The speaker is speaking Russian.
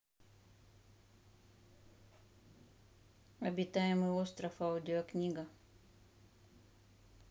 обитаемый остров аудиокнига